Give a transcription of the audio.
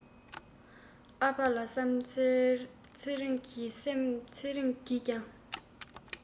ཨ ཕ ལ བསམ ཚེ རིང གི སེམས ཚེ རིང གིས ཀྱང